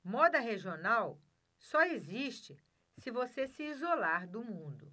moda regional só existe se você se isolar do mundo